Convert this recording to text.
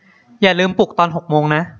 อย่าลืมปลุกตอนหกโมงนะ